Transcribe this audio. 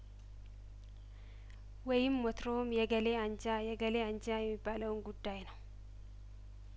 ወይም ወትሮውም የእገሌ አንጃ የእገሌ አንጃ የሚባለውን ጉዳይ ነው